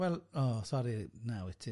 Wel, o sori, na wyt ti.